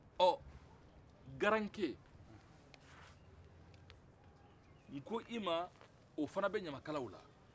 ɔ garankɛ n k'i ma o fɛnɛ bɛ ɲamakalaw la